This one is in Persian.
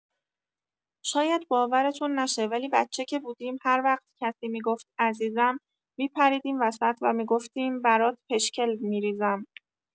شاید باورتون نشه ولی بچه که بودیم هروقت کسی می‌گفت عزیزم می‌پریدیم وسط و می‌گفتیم برات پشکل می‌ریزم.